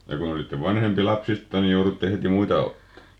ja kun olitte vanhempi lapsista niin joudutte heti muita auttamaan